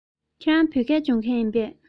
ཁྱེད རང བོད སྐད སྦྱོང མཁན ཡིན པས